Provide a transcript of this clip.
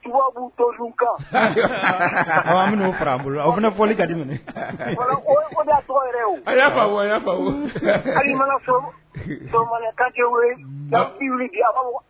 Tubabu todunkan . An bi no fara bolo la,. A fana fɔli ka di mɛnɛ . O de ya tɔgɔ yɛrɛ ye o. An ya faamu, an ya faamu